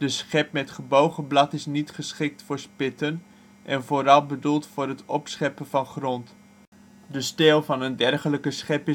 schep met gebogen blad is niet geschikt voor het spitten en vooral bedoeld voor het opscheppen van grond. De steel van een dergelijke schep